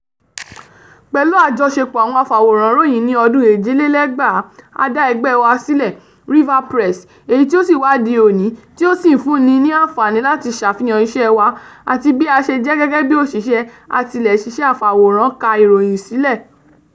Pẹ̀lú àjọṣepọ̀ àwọn afawọ̀ran-ròyìn ní ọdún 2007 , a dá ẹgbẹ́ wa sílẹ̀, RIVA PRESS, eyí tí ó ṣì wà di òní tí ó sì ń fún ní àńfààní láti ṣàfihàn iṣẹ́ wa àti bí a ṣe jẹ́ gẹ́gẹ́ bi òṣìṣẹ́ atilé-ṣiṣẹ́ afàwòrán ká ìròyìn sílẹ̀.